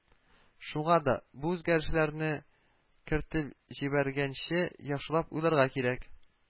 Шуңа да бу үзгәрешләрне кертеп җибәргәнче яхшылап уйларга кирәк